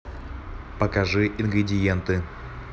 покажи ингридиенты